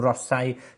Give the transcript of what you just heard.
Rosae